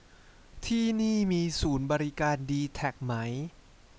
ที่นี่มีศูนย์บริการดีแทคไหม